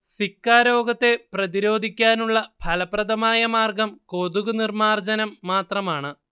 Zika രോഗത്തെ പ്രതിരോധിക്കാനുള്ള ഫലപ്രദമായ മാർഗ്ഗം കൊതുകുനിർമ്മാർജ്ജനം മാത്രമാണ്